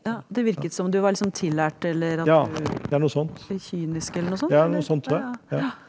ja det virket som du var liksom tillært eller at du litt kynisk eller noe sånt eller ja ja ja.